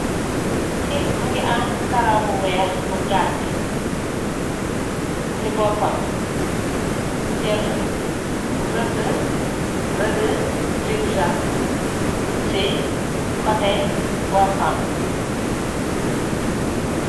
Kii mingi am karaw bu weex bu gaat, si boppa bi, mo jal rade rade zigzag si kote boppam bi